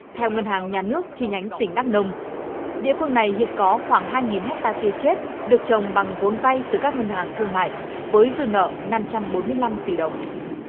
theo ngân hàng nhà nước chi nhánh tỉnh đắc nông địa phương này hiện có khoảng hai nghìn héc ta tiêu chết được trồng bằng vốn vay từ các ngân hàng thương mại với dư nợ năm trăm bốn mươi lăm tỷ đồng